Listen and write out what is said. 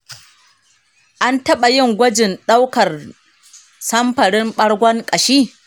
an taɓa yin gwajin ɗaukar samfurin ɓargon ƙashi?